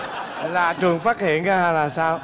là trường phát hiện ra hay là sao